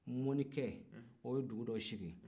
mɔni kɛ o ye dugu dɔw sigi